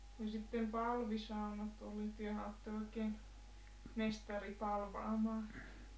ja sitten palvisaunat oli tehän olette oikein mestari palvaamaan